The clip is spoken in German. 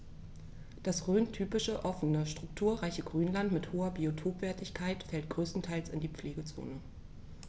Das rhöntypische offene, strukturreiche Grünland mit hoher Biotopwertigkeit fällt größtenteils in die Pflegezone.